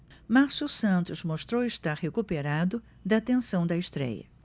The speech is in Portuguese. márcio santos mostrou estar recuperado da tensão da estréia